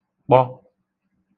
kpọ